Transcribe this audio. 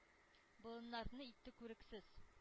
Болыннарны итте күрексез.